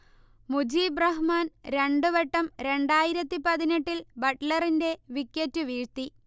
മുജീബ് റഹ്മാൻ രണ്ട് വട്ടം രണ്ടായിരത്തി പതിനെട്ടിൽ ബട്ട്ലറിന്റെ വിക്കറ്റ് വീഴ്ത്തി